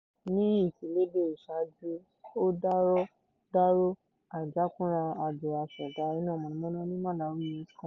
Nínú ìfiléde ìṣààjú, ó dárò àìjákúnra àjọ aṣẹ̀dá iná mọ̀nàmọ́ná ní Malawi ESCOM.